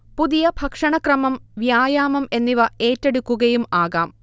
പുതിയ ഭക്ഷണ ക്രമം, വ്യായാമം എന്നിവ ഏറ്റെടുക്കുകയും ആകാം